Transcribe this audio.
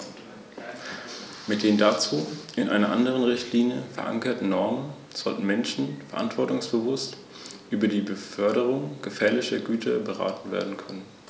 Ein Nichttätigwerden der Europäischen Union würde die Mitgliedstaten verpflichten, ihre innerstaatlichen Rechtsvorschriften für einen kurzen Zeitraum, nämlich bis zum Abschluss der Arbeiten des CEN, zu ändern, was unnötige Kosten und Verunsicherungen verursacht.